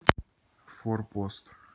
форпост